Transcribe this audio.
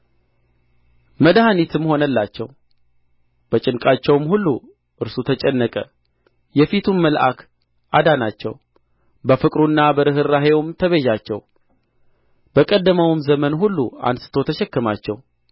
መድኃኒትም ሆነላቸው በጭንቃቸው ሁሉ እርሱ ተጨነቀ የፊቱም መልአክ አዳናቸው በፍቅሩና በርኅራኄውም ተቤዣቸው በቀደመውም ዘመን ሁሉ አንሥቶ ተሸከማቸው